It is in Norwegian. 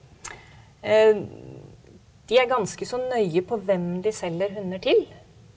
de er ganske så nøye på hvem de selger hunder til.